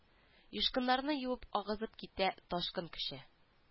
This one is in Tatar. Юшкыннарны юып агызып китә ташкын көче